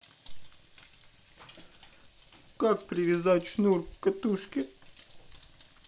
как привязать шнур к катушке